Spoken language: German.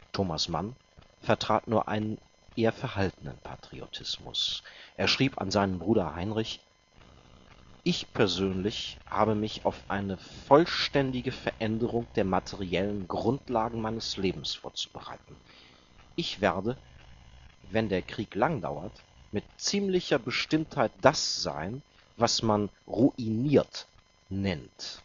Thomas Mann vertrat nur einen eher verhaltenen Patriotismus. Er schrieb an seinen Bruder Heinrich: „ Ich persönlich habe mich auf eine vollständige Veränderung der materiellen Grundlagen meines Lebens vorzubereiten. Ich werde, wenn der Krieg lang dauert, mit ziemlicher Bestimmtheit das sein, was man ‚ ruiniert ‘nennt